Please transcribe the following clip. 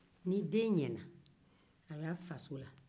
nin den ɲɛna a y'a faso la